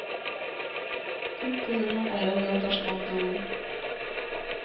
Күк кызының аягына ташланды ул.